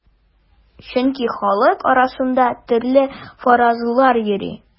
Чөнки халык арасында төрле фаразлар йөри.